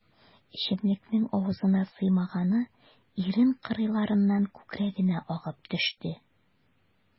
Эчемлекнең авызына сыймаганы ирен кырыйларыннан күкрәгенә агып төште.